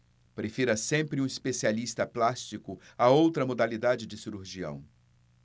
prefira sempre um especialista plástico a outra modalidade de cirurgião